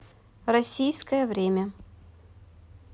российское время